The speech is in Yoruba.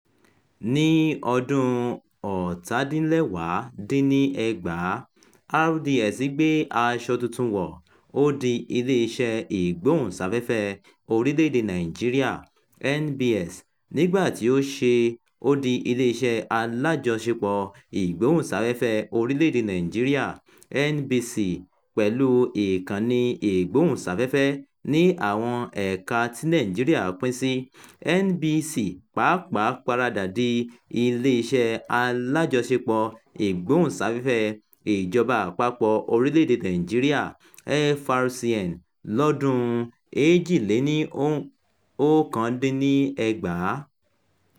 Ní ọdún-un 1950, RDS gbé aṣọ tuntun wọ̀ — ó di Iléeṣẹ́ Ìgbóhùnsáfẹ́fẹ́ Orílẹ̀-èdèe Nàìjíríà (NBS) — nígbà tí ó ṣe, ó di Iléeṣẹ́ Alájọṣepọ̀ Ìgbóhùnsáfẹ́fẹ́ Orílẹ̀-èdèe Nàìjíríà (NBC), pẹ̀lú ìkànnì ìgbóhùnsáfẹ́fẹ́ ní àwọn ẹ̀ka tí Nàìjíríà pín sí. NBC pàpà paradà di Iléeṣẹ́ Alájọṣepọ̀ Ìgbóhùnsáfẹ́fẹ́ Ìjọba Àpapọ̀ Orílẹ̀-èdèe Nàìjíríà (FRCN) lọ́dún-un 1978.